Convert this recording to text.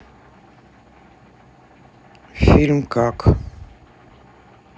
фильм как